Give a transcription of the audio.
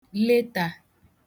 letà